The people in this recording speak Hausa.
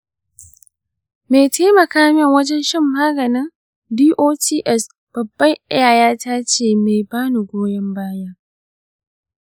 mai taimaka min wajen shan maganin dots babbar yayata ce mai ba ni goyon baya.